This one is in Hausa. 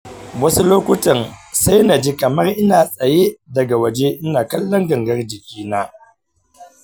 wasu lokutan sai na ji kamar ina tsaye daga waje ina kallon gangar jikina.